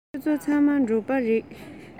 ཁྱེད ཚོ ཚང མ འབྲོག པ རེད